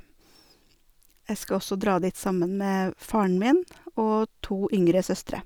Jeg skal også dra dit sammen med faren min og to yngre søstre.